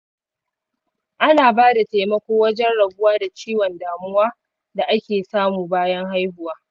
ana ba da taimako wajen rabuwa da ciwon damuwa da ake samu bayan haihuwa.